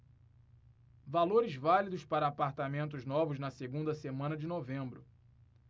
valores válidos para apartamentos novos na segunda semana de novembro